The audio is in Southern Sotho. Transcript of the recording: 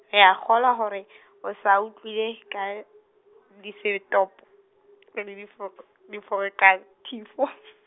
re a kgolwa hore, o sa a utlwile ka, disetopo, le diforo-, diforekathifo.